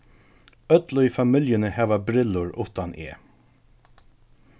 øll í familjuni hava brillur uttan eg